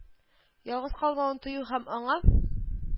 Ялгыз калмавын тою һәм аңа